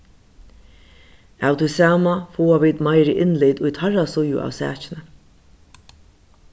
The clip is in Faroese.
av tí sama fáa vit meiri innlit í teirra síðu av sakini